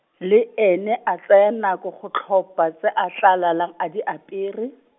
le ene a tsaya nako go tlhopha tse a tla lalang a di apere.